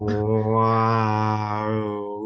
Waw.